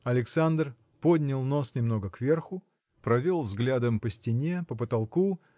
Александр поднял нос немного кверху провел взглядом по стене по потолку